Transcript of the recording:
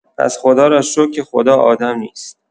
پس خدا را شکر که خدا آدم نیست!